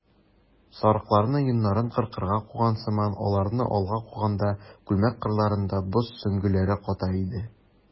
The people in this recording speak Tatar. Сарыкларны йоннарын кыркырга куган сыман аларны алга куганда, күлмәк кырларында боз сөңгеләре ката иде.